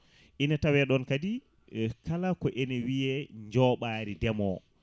ina taweɗon kadi kala ko ine wiye jooɓari ndeemowo